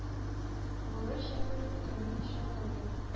Олы шәхес икәнен чамалый.